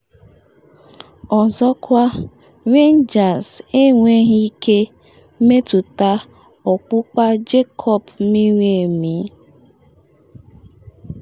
Ọzọkwa Rangers enweghị ike metụta ọkpụkpa Jacob miri emi.